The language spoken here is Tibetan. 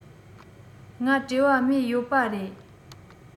ང བྲེལ བ མེད ཡོད པ རེད